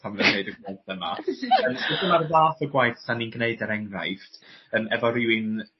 pan ma' n'w neud e gynta 'ma. Yym felly ma'r fath o gwaith 'san ni'n gneud er enghraifft yym efo rywun